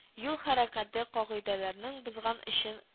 Юл хәрәкәте кагыйдәләрнең бозган өчен